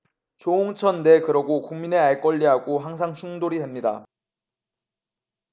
조응천 네 그러고 국민의 알권리 하고 항상 충돌이 됩니다